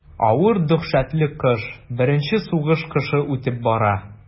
Авыр дәһшәтле кыш, беренче сугыш кышы үтеп бара.